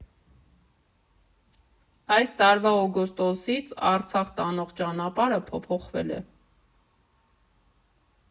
Այս տարվա օգոստոսից Արցախ տանող ճանապարհը փոփոխվել է։